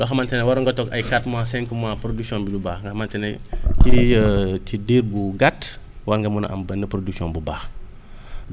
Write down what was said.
loo xamante ne war nga toog ay quatre mois cinq mois production bi du baax nga xamante ne ci ci diir bu gàtt war nga mun a am benn production bu baax